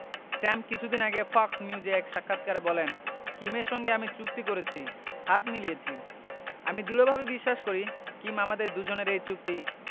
Trump কিছুদিন আগে Fox নিউজে এক সাক্ষাৎকারে বলেন কিমের সঙ্গে আমি চুক্তি করেছি হাত মিলিয়েছি আমি দৃঢ়ভাবে বিশ্বাস করি কিম আমাদের দুজনের এই চুক্তি